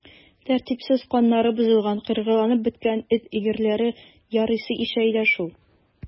Тәртипсез, каннары бозылган, кыргыйланып беткән эт өерләре ярыйсы ишәйде шул.